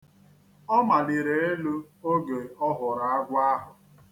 Ọ maliri elu oge ọ hụrụ agwọ ahụ.